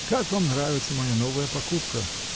-- Как вам нравится моя новая покупка?